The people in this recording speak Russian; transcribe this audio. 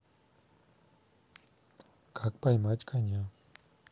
как поймать коня